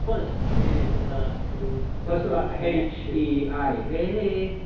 Plus ti fatha ti'n digon… Plus ti’n fatha… HEI. Hei.